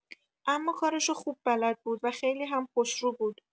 اما کارشو خوب بلد بود و خیلی هم خوش‌رو بود.